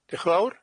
Dioch yn fawr.